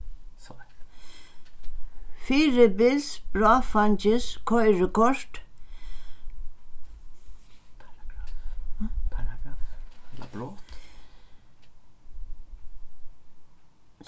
fyribils bráðfeingis koyrikort ha